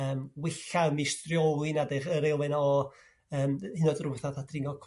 yrm wella meistrioli 'na d'eu'ch yr elfen o yrm hyd yn o'd rhywbeth fath a dringo